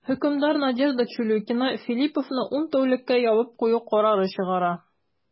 Хөкемдар Надежда Чулюкина Филлиповны ун тәүлеккә ябып кую карары чыгара.